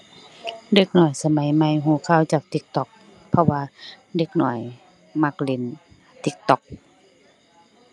เด็กน้อยสมัยใหม่รู้ข่าวจาก TikTok เพราะว่าเด็กน้อยมักเล่น TikTok